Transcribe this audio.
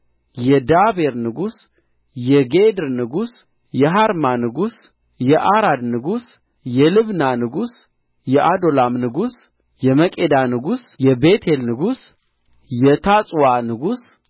የዳቤር ንጉሥ የጌድር ንጉሥ የሔርማ ንጉሥ የዓራድ ንጉሥ የልብና ንጉሥ የዓዶላም ንጉሥ የመቄዳ ንጉሥ የቤቴል ንጉሥ የታጱዋ ንጉሥ